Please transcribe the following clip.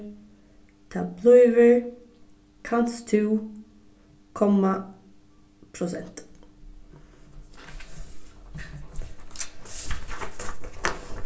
tað blívur kanst tú komma prosent